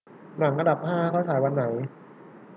หนังอันดับห้าเข้าฉายวันไหน